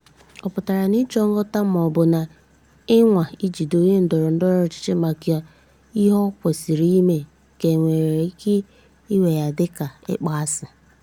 Ọ pụtara na ịchọ nghọta ma ọ bụ ọbụna ịnwa ijide onye ndọrọ ndọrọ ọchịchị maka ihe o kwesịrị ime ka e nwere ike iwe dịka ịkpọasị.